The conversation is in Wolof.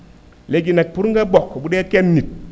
léegi nag pour nga bokk bu dee kenn nit